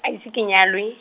a ise ke nyalwe.